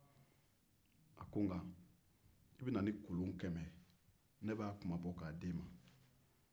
a ko nk i bɛ na ni kolon kɛmɛ ye ne b'a kunmabɔ k'a di e ma